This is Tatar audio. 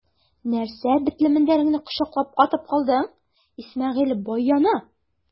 Нәрсә бетле мендәреңне кочаклап катып калдың, Исмәгыйль бай яна!